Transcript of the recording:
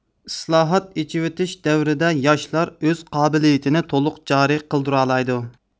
ئىسلاھات ئېچىۋېتىش دەۋرىدە ياشلار ئۆز قابىلىيىتنى تولۇق جارى قىلدۇرالايدۇ